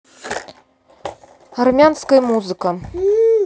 армянская музыка